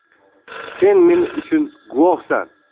sen men uchun guvohsan